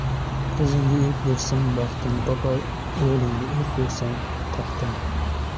qizingga erk bersang baxtini topar o'g'lingga erk bersang taxtini